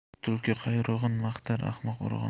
tulki quyrug'in maqtar ahmoq urug'in